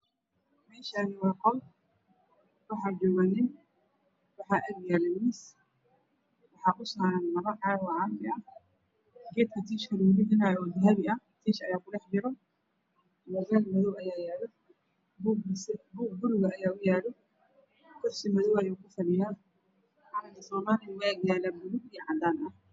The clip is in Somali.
Meshani waa qol waxaa jooga nin waxaa ag yala miis waxaa usaaran laba caag oo cafiya gedka tishka lagu rito oo dahabi tisha ayaa ku jira mobeel madow ayaa yala buug ayaa uyala kursi madow ayuu ku fadhiya calanka somaliya ayaa uyala bulug iyo cadan ah